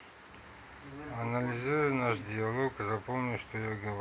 анализируй наш диалог запоминай что я говорю